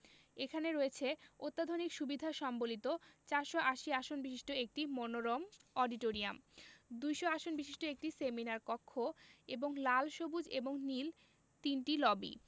এখানে রয়েছে অত্যাধুনিক সুবিধা সম্বলিত ৪৮০ আসন বিশিষ্ট একটি মনোরম অডিটোরিয়াম ২০০ আসন বিশিষ্ট একটি সেমিনার কক্ষ এবং লাল সবুজ এবং নীল তিনটি লবি